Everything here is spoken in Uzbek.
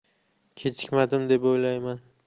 kechikmadim deb o'ylayman